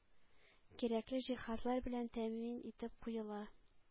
Кирәкле җиһазлар белән тәэмин итеп куела.